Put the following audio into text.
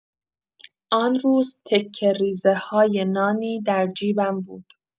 آن روز تکه‌ریزه‌های نانی در جیبم بود.